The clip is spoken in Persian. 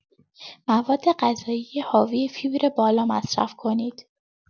موادغذایی حاوی فیبر بالا مصرف کنید.